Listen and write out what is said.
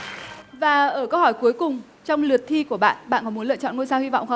và ở câu hỏi cuối cùng trong lượt thi của bạn bạn có muốn lựa chọn ngôi sao hy vọng không